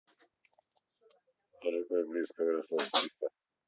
далеко и близко выросла сосиска